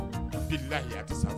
Billlahi a bɛ san